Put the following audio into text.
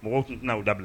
Mɔgɔ tun tɛna'aw dabila